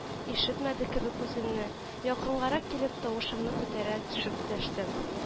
Ишетмәде кебек үземне. Якынгарак килеп, тавышымны күтәрә төшеп дәштем